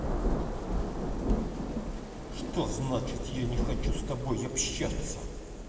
что значит я с тобой не хочу общаться